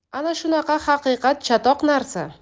ana shunaqa haqiqat chatoq narsa